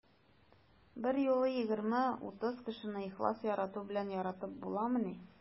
Берьюлы 20-30 кешене ихлас ярату белән яратып буламыни?